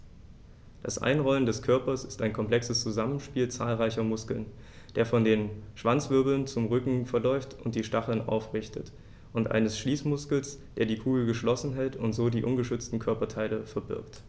Das Einrollen des Körpers ist ein komplexes Zusammenspiel zahlreicher Muskeln, der von den Schwanzwirbeln zum Rücken verläuft und die Stacheln aufrichtet, und eines Schließmuskels, der die Kugel geschlossen hält und so die ungeschützten Körperteile verbirgt.